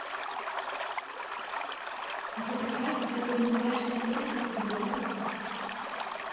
это прекрасно когда занимаешься тем что тебе нравится